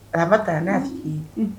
Araba ka n'a f